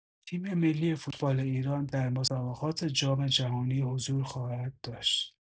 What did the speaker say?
تیم‌ملی فوتبال ایران در مسابقات جام‌جهانی حضور خواهد داشت.